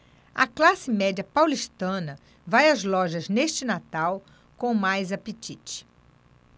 a classe média paulistana vai às lojas neste natal com mais apetite